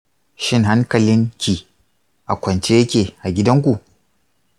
shin hankalinki a kwance yake a gidanku?